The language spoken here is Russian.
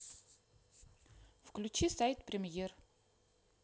включи сайт премьер